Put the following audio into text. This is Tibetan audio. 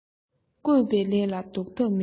བསྐོས པའི ལས ལ ཟློག ཐབས མེད